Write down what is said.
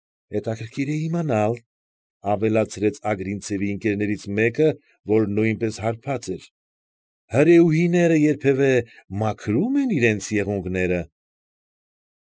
Հետաքրքրական է իմանալ,֊ ավելացրեց Ագրինցևի ընկերներից մեկը, որ նույնպես հարբած էր,֊ հրեուհիները երբևէ մաքրո՞ւմ են իրենց եղունգները։